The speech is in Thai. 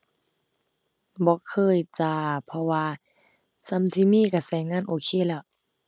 บ่เคยจ้า เพราะว่าส่ำที่มีก็ก็งานโอเคแล้ว